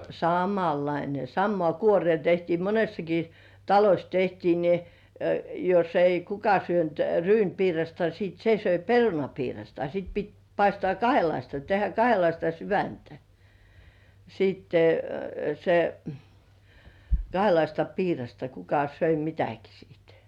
samanlainen samaan kuoreen tehtiin monessakin talossa tehtiin niin jos ei kuka syönyt ryynipiirasta sitten se söi perunapiirasta sitä piti paistaa kahdenlaista tehdä kahdenlaista sydäntä sitten se kahdenlaista piirasta kuka söi mitäkin sitten